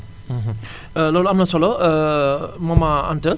loolu am na solo maman Anta